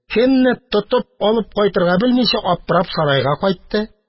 Кемне тотып алып кайтырга белмичә, аптырап, сарайга кайтты